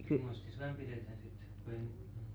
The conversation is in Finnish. muistissa vain pidetään sitten kun ei muuta